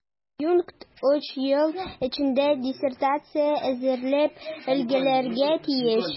Адъюнкт өч ел эчендә диссертация әзерләп өлгерергә тиеш.